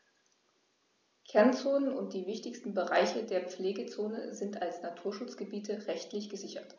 Kernzonen und die wichtigsten Bereiche der Pflegezone sind als Naturschutzgebiete rechtlich gesichert.